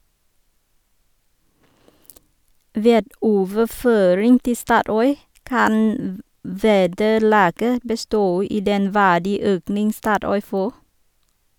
Ved overføring til Statoil kan vederlaget bestå i den verdiøkning Statoil får.